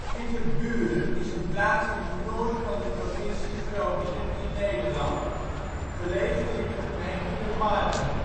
Paiderboeren) is een plaats in het noorden van de provincie Groningen (Nederland), gelegen in de gemeente De Marne